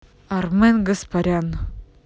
армен гаспарян